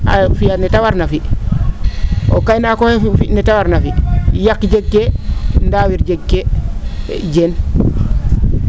a fi'aa nee ta warna o fi' o kaynaak oxe fi nee ta warna fi yaq jegkee ndaawir jegkee Diene